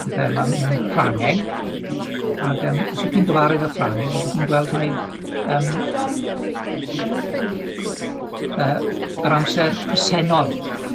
y pethe yma mewn Ffrangeg, ag yym os y'ch chi'n gyfarwydd â Ffrangeg, fyddwch chi'n gweld mai yym yy yr amser presennol,